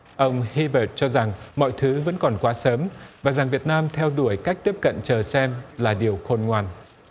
ông hi bợt cho rằng mọi thứ vẫn còn quá sớm và rằng việt nam theo đuổi cách tiếp cận chờ xem là điều khôn ngoan